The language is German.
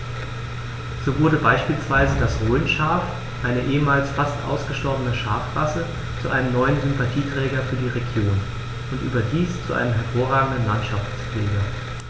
So wurde beispielsweise das Rhönschaf, eine ehemals fast ausgestorbene Schafrasse, zu einem neuen Sympathieträger für die Region – und überdies zu einem hervorragenden Landschaftspfleger.